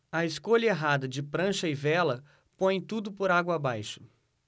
a escolha errada de prancha e vela põe tudo por água abaixo